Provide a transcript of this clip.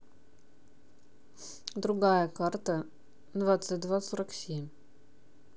другая карта двадцать два сорок семь